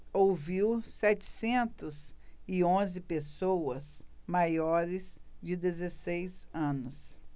ouviu setecentos e onze pessoas maiores de dezesseis anos